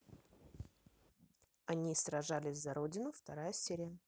они сражались за родину вторая серия